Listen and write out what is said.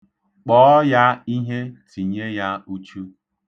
Kpọọ ya ihe, tinye ya uchu.